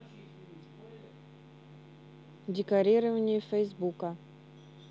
декорирование фейсбука